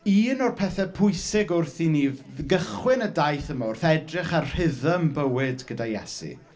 Un o'r pethe pwysig wrth i ni f- f- gychwyn y daith yma, wrth edrych ar rhythm bywyd gyda Iesu